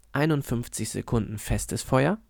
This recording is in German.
51 Sekunden festes Feuer